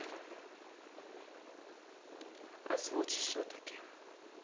озвучь все таки